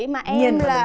vậy mà em là